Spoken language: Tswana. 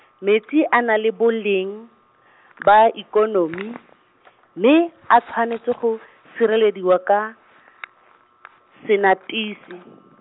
metsi a na le boleng, ba ikonomi , mme, a tshwanetse go, sirelediwa ka , senatisi.